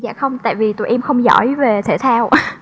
dạ không tại vì tụi em không giỏi về thể thao